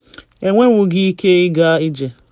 Enwenwughi ike ịga ije.